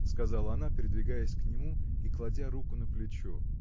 — сказала она, придвигаясь к нему и кладя руку на плечо.